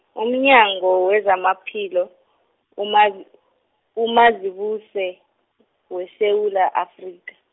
umnyango wezamaphilo, umaz- uMazibuse, weSewula Afrika.